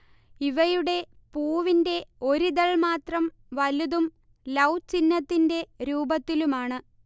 ഇവയുടെ പൂവിന്റെ ഒരിതൾമാത്രം വലുതും ലൗ ചിഹ്നത്തിന്റെ രൂപത്തിലുമാണ്